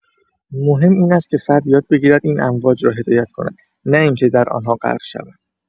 مهم این است که فرد یاد بگیرد این امواج را هدایت کند نه اینکه در آن‌ها غرق شود.